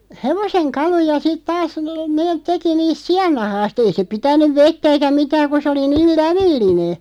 hevosen kaluja sitten taas ne teki niistä siannahasta ei se pitänyt vettä eikä mitään kun se oli niin lävellinen